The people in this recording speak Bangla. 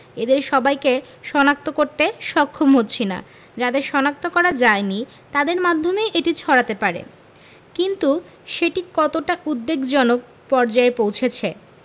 এদের সবাইকে শনাক্ত করতে সক্ষম হচ্ছি না যাদের শনাক্ত করা যায়নি তাদের মাধ্যমেই এটি ছড়াতে পারে কিন্তু সেটি কতটা উদ্বেগজনক পর্যায়ে পৌঁছেছে